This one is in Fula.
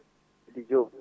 Idy Diop